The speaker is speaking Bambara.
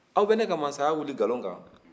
aw bɛ ne ka massaya wuli nkalon kan